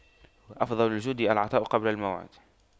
أفضل الجود العطاء قبل الموعد